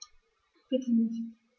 Bitte nicht.